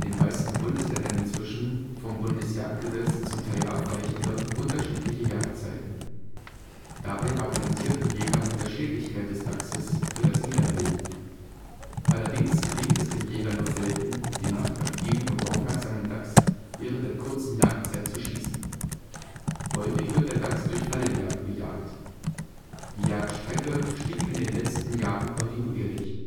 meisten Bundesländern inzwischen, vom Bundesjagdgesetz z.T. abweichende, unterschiedliche Jagdzeiten. Dabei argumentierten Jäger mit der Schädlichkeit des Dachses für das Niederwild. Allerdings gelingt es dem Jäger nur selten, den nachtaktiven und aufmerksamen Dachs während der kurzen Jagdzeit zu schießen. Häufig wird der Dachs durch Fallenjagd bejagt. Die Jagdstrecke stieg in den letzten Jahren kontinuierlich